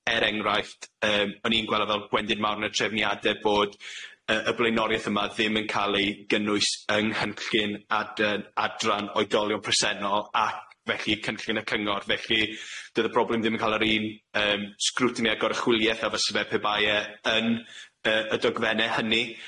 Er enghraifft yym o'n i'n gwel' o fel gwendid mawr yn y trefniade bod yy y blaenoriaeth yma ddim yn ca'l ei gynnwys yng nghyllyn ad- adran oedolion presennol ac felly cynllun y cyngor felly do'dd y problem ddim yn ca'l yr un yym sgrwtini ag oruchwylieth a fyse fe pe bai e yn yy y dogfenne hynny.